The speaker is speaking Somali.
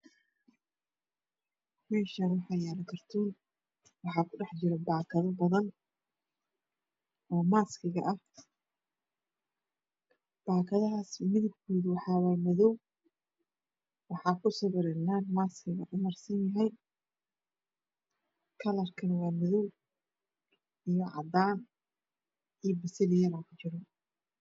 Meeshaan waxaa yaalo kartoon waxaa ku dhex jiro baakado badan oo maskiga ah baakadahaas midankooda waxaa waaye madow waxa ku sawiran nag maskiga umarsan kalarkana waa madow cadaan iyo basali ku jiro